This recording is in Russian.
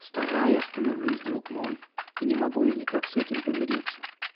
Стара я становлюсь, друг мой, -- и не могу я никак с этим помириться.